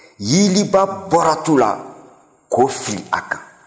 yeelenba bɔra tu la k'o fili a kan